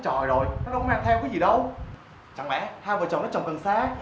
chòi rồi nó đâu mang theo cái gì đâu chẳng lẽ hai vợ chồng nó trồng cần sa